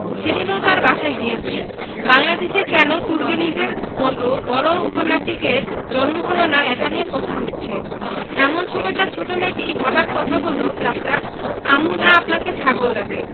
সেদিনও তার বাসায় গিয়েছি বাংলাদেশে কেন তুর্গেনিভের মত বড় উপন্যাসিকের জন্ম হল না এই নিয়ে কথা হচ্ছে এমন সময় তাঁর ছোট মেয়েটি হঠাৎ কথা বলল চাচা আম্মু না আপনাকে ছাগল ডাকে